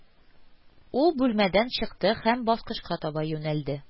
Ул бүлмәдән чыкты һәм баскычка таба юнәлде